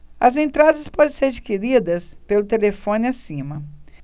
as entradas podem ser adquiridas pelo telefone acima